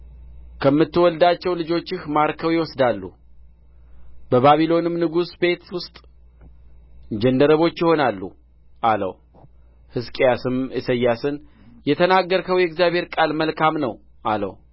ከምትወልዳቸው ልጆችህ ማርከው ይወስዳሉ በባቢሎንም ንጉሥ ቤት ውስጥ ጃንደረቦች ይሆናሉ አለው ሕዝቅያስም ኢሳይያስን የተናገርኸው የእግዚአብሔር ቃል መልካም ነው አለው